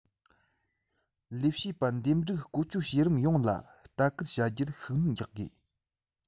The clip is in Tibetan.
ལས བྱེད པ འདེམས སྒྲུག བསྐོ སྤྱོད བྱེད རིམ ཡོངས ལ ལྟ སྐུལ བྱ རྒྱུར ཤུགས སྣོན རྒྱག དགོས